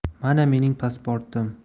mana mening pasportim